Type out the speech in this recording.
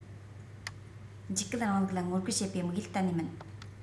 འཇིགས སྐུལ རིང ལུགས ལ ངོ རྒོལ བྱེད པའི དམིགས ཡུལ གཏན ནས མིན